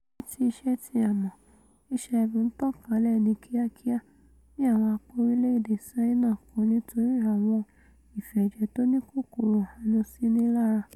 Níti ìṣe tí a mọ̀, HIV ńtàn kálẹ̀ ní kíakía ní àwọn apá orílẹ̀-èdè Ṣáínà kan nítorí àwọn ìfẹ̀jẹ̀tóníkòkòrò ààrùn sínilára.